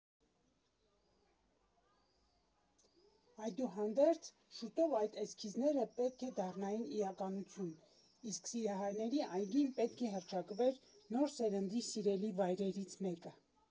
Այդուհանդերձ, շուտով այդ էսքիզները պետք է դառնային իրականություն, իսկ Սիրահարների այգին պետք է հռչակվեր նոր սերնդի սիրելի վայրերից մեկը։